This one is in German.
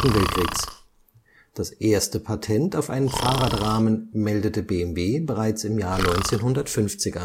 Weltkriegs. Das erste Patent auf einen Fahrradrahmen meldete BMW bereits 1950